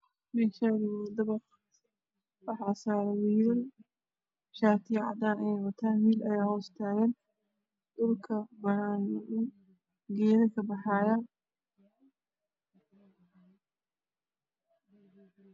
Meshani waa dabaq waxa saran wll shatiyo cadan ah ayeey watan wll aya hoos tagan dhulka banana dhul geedo kabaxayan